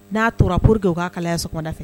N'a tora pourke u k'a kalaya so nɔfɛ